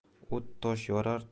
o't tosh yorar